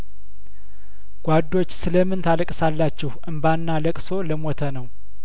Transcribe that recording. ጓዶች ስለምን ታለቅ ሳላችሁ እንባና ለቅሶ ለሞተ ነው